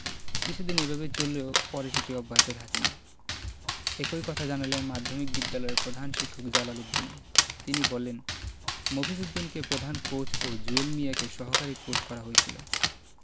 কিছুদিন এভাবে চললেও পরে সেটি অব্যাহত থাকেনি একই কথা জানালেন মাধ্যমিক বিদ্যালয়ের প্রধান শিক্ষক জালাল উদ্দিন তিনি বলেন মফিজ উদ্দিনকে প্রধান কোচ ও জুয়েল মিয়াকে সহকারী কোচ করা হয়েছিল